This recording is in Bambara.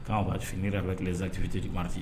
Quand on va finir avec les activités du mardi